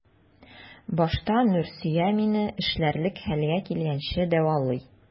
Башта Нурсөя мине эшләрлек хәлгә килгәнче дәвалый.